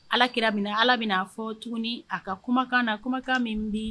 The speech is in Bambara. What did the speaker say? Alaki minɛ ala bɛna a fɔ tuguni a ka kumakan na kumakan min bi